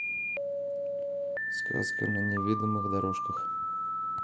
сказка на неведомых дорожках